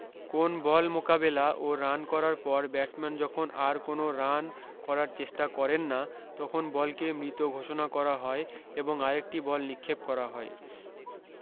কোন বল মোকাবেলা ও রান নেয়ার পর ব্যাটসম্যান যখন আর কোন রান করার চেষ্টা করেন না তখন বলকে মৃত ঘোষণা করা হয় এবং আরেকটি বল নিক্ষেপ করা হয়